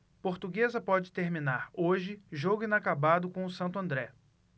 portuguesa pode terminar hoje jogo inacabado com o santo andré